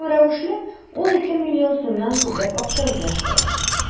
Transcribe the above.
Шул рәвешле ул ике миллион сумнан күбрәк акча үзләштерә.